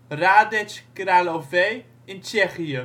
Hradec Králové (Tsjechië